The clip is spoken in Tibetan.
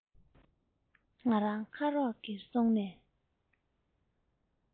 ང རང ཁ རོག གེར སོང ནས